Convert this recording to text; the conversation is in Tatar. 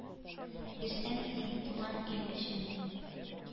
Бирсәм, диеп, туган ил өчен».